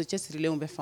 Cɛ sirilenw bɛ fa